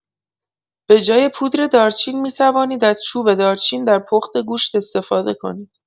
به‌جای پودر دارچین می‌توانید از چوب دارچین در پخت گوشت استفاده کنید.